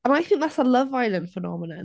And I think that's a Love Island phenomenon.